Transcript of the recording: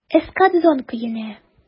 "эскадрон" көенә.